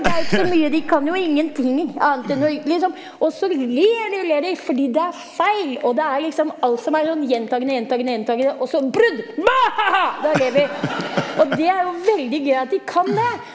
det er jo ikke så mye de kan jo ingenting annet enn å liksom også ler de og ler de fordi det er feil og det er liksom alt som er sånn gjentagende, gjentagende, gjentagende, også brudd haha da ler vi og det er jo veldig gøy at de kan det.